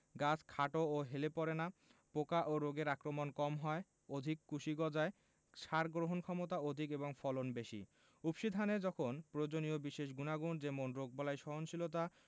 গাছ খাটো ও হেলে পড়ে না পোকা ও রোগের আক্রমণ কম হয় অধিক কুশি গজায় সার গ্রহণক্ষমতা অধিক এবং ফলন বেশি উফশী ধানে যখন প্রয়োজনীয় বিশেষ গুনাগুণ যেমন রোগবালাই সহনশীলতা